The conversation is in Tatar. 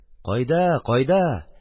Кайда, кайда?